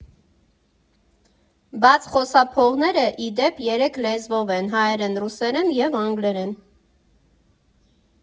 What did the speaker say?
Բաց խոսափողները, ի դեպ, երեք լեզվով են՝ հայերեն, ռուսերեն և անգլերեն։